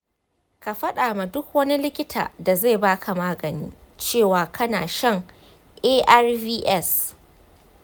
ka faɗa ma duk wani likita da zai baka magani cewa kana shan arvs.